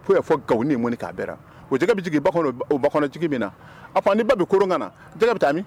Fɔ yan fo Gao n de mɔni k'a bɛra o jɛgɛ be jigi ba kɔnɔ o ba o ba kɔnɔjigi min na a fɔ ni bɛɛ be koron ŋana jɛgɛ be taa min